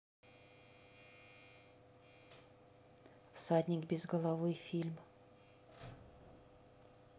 всадник без головы фильм